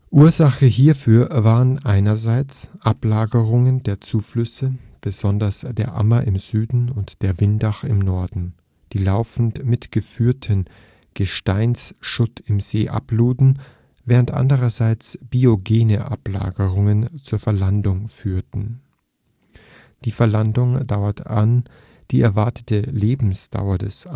Ursache hierfür waren einerseits Ablagerungen der Zuflüsse, besonders der Ammer im Süden und der Windach im Norden, die laufend mitgeführten Gesteinsschutt im See abluden, während andererseits biogene Ablagerungen zur Verlandung führten. Die Verlandung dauert an, die erwartete „ Lebensdauer “des